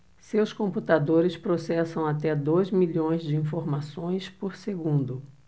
seus computadores processam até dois milhões de informações por segundo